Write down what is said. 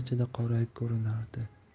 ichida qorayib ko'rinardi